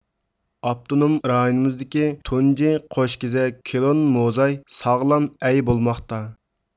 ئاپتونوم رايونىمىزدىكى تۇنجى قوشكېزەك كلون موزاي ساغلام ئەي بولماقتا